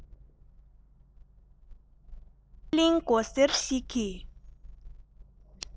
ཕྱི གླིང མགོ སེར ཞིག གིས